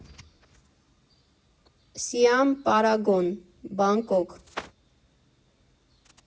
Սիամ Պարագոն, Բանգկոկ։